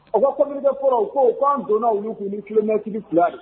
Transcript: A ko communiqué fɔlɔ u ko k'an donna ollu kun ni kilomètre fila ye